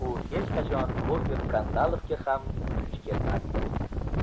u hech qachon ober kandalovga ham duch kelmasdi